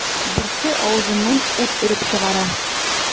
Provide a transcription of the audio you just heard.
Берсе авызыннан ут өреп чыгара.